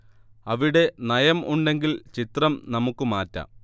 അവിടെ നയം ഉണ്ടെങ്കിൽ ചിത്രം നമുക്ക് മാറ്റാം